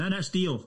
Na, na, steel.